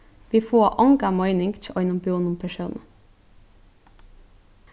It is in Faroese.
vit fáa onga meining hjá einum búnum persóni